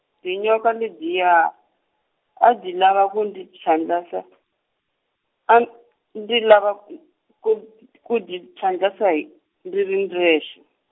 dyinyoka ledyiya, a dyi lava ku ndzi phyandasa- , a n- ndzi lava k- ku dyi, phyandlasa ndzi ri ndzexe.